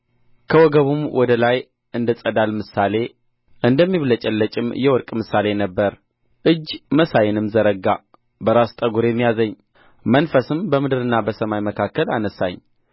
ከወገቡም ወደ ላይ እንደ ፀዳል ምሳሌ እንደሚብለጨለጭም የወርቅ ምሳሌ ነበረ እጅ መሳይንም ዘረጋ በራስ ጠጕሬም ያዘኝ መንፈስም በምድርና በሰማይ መካከል አነሣኝ